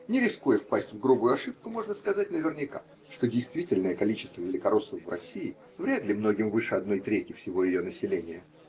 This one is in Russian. Не рискуя впасть в грубую ошибку, можно сказать наверняка, что действительное количество великороссов в России вряд ли многим выше одной трети всего ее населения.